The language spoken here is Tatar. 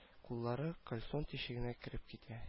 Куллары кальсон тишегенә кереп китә